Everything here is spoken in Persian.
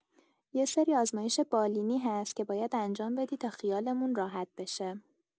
یه سری آزمایش بالینی هست که باید انجام بدی تا خیالمون راحت بشه.